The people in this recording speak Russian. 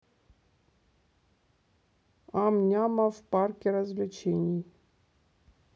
ам няма в парке развлечений